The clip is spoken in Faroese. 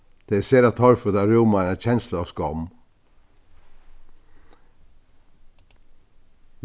tað er sera torført at rúma eini kenslu av skomm